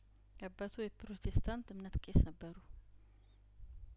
አባቱ የፕሮቴስታንት እምነት ቄስ ነበሩ